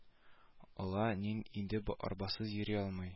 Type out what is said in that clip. Олан инде арбасыз йөри алмый